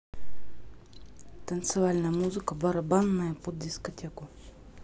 танцевальная музыка барабанная под дискотеку